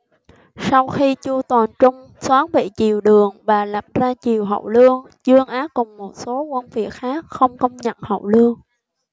sau khi chu toàn trung soán vị triều đường và lập ra triều hậu lương dương ác cùng một số quân phiệt khác không công nhận hậu lương